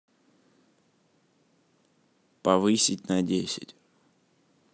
повысить на десять